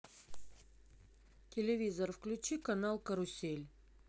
телевизор включи канал карусель